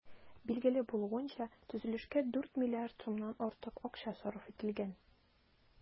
Билгеле булуынча, төзелешкә 4 миллиард сумнан артык акча сарыф ителгән.